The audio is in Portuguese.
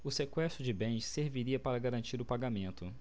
o sequestro de bens serviria para garantir o pagamento